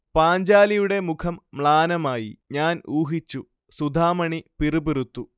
പാഞ്ചാലിയുടെ മുഖം മ്ളാനമായി 'ഞാൻ ഊഹിച്ചു' സുധാമണി പിറുപിറുത്തു